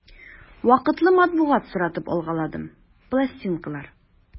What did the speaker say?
Вакытлы матбугат соратып алгаладым, пластинкалар...